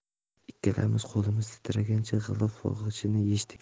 ikkalamiz qo'limiz titragancha g'ilof bog'ichini yechdik